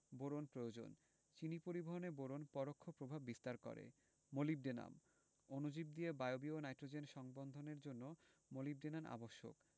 boron প্রয়োজন চিনি পরিবহনে বোরন পরোক্ষ প্রভাব বিস্তার করে মোলিবডেনাম অণুজীব দিয়ে বায়বীয় নাইট্রোজেন সংবন্ধনের জন্য মোলিবডেনাম আবশ্যক